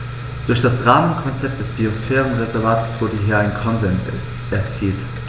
Durch das Rahmenkonzept des Biosphärenreservates wurde hier ein Konsens erzielt.